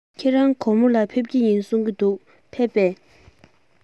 ཁྱེད རང གོར མོ ལ འགྲོ རྒྱུ ཡིན གསུང པས ཕེབས སོང ངམ